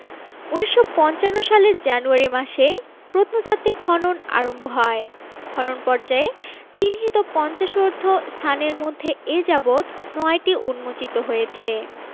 ১৯৫৫ সালের জানুয়ারি মাসে প্রত্নতাত্ত্বিক খনন আরম্ভ হয় খনন পর্যায়ে চিহ্নিত পঞ্চাশোর্ধ্ব স্থানের মধ্যে এ যাবৎ নয়টি উন্মোচিত হয়েছে